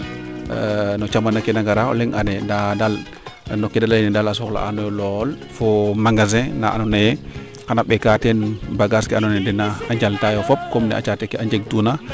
no camano ke na na ngara o leŋ ande nda daal no ke de leyna daal a soxla aanoyo lool fo magazin na ando naye xana ɓeka teen bagage ke ando naye den na njal taayo fop comme a caate ke a njeg tuuna